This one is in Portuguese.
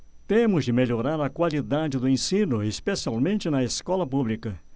temos de melhorar a qualidade do ensino especialmente na escola pública